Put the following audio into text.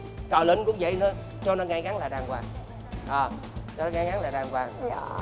cờ lệnh cúng vậy nữa cho lên ngay ngắn lại đàng hoàng ờ cho nó ngay ngắn lại đàng hoàng